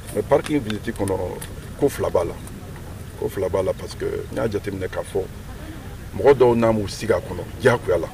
Mɛ pariki bilisiti kɔnɔ ko fila b' la ko fila b'a la parce que n y'a jateminɛ ka fɔ mɔgɔ dɔw n'a'u sigi a kɔnɔ la